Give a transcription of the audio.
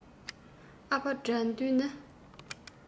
ཨ ཕ དགྲ འདུལ ནི